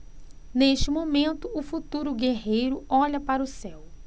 neste momento o futuro guerreiro olha para o céu